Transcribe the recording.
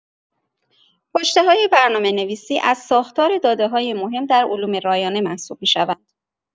پشته‌های برنامه‌نویسی از ساختار داده‌های مهم در علوم رایانه محسوب می‌شوند.